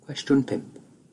Cwestiwn pump: